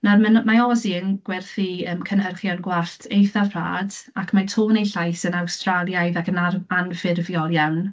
Nawr men- mae Aussie yn gwerthu, yym, cynhyrchion gwallt eithaf rhad, ac mae tôn eu llais yn awstraliaidd ac yn ar- anffurfiol iawn.